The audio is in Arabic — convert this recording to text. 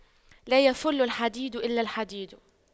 لا يَفُلُّ الحديد إلا الحديد